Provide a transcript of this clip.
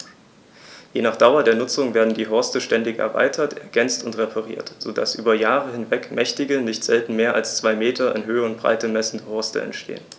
Je nach Dauer der Nutzung werden die Horste ständig erweitert, ergänzt und repariert, so dass über Jahre hinweg mächtige, nicht selten mehr als zwei Meter in Höhe und Breite messende Horste entstehen.